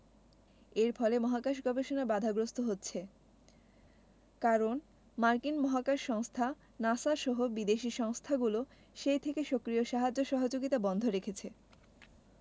এর ফলে মহাকাশ গবেষণা বাধাগ্রস্ত হচ্ছে কারণ মার্কিন মহাকাশ সংস্থা নাসা সহ বিদেশি সংস্থাগুলো সেই থেকে সক্রিয় সাহায্য সহযোগিতা বন্ধ রেখেছে